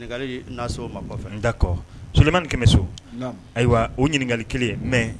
Ɲininkali bɛna se o ma kɔfɛ, un d'accord Sulemani Kɛmɛso, naamu, ayiwa, o ɲininkali kelen mais